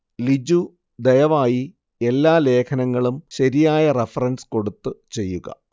ലിജു ദയവായി എല്ലാ ലേഖനങ്ങളും ശരിയായ റെഫറൻസ് കൊടുത്ത് ചെയ്യുക